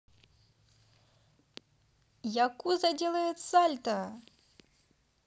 yakuza делает сальто